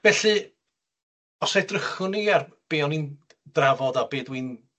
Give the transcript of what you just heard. Felly, os edrychwn ni ar be o'n i'n drafod a be dwi'n